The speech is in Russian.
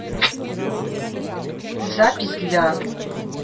запись для